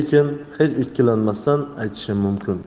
ikkilanmasdan aytish mumkin